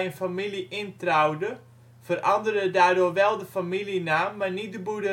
familie introuwde, veranderde daardoor wel de familienaam maar niet de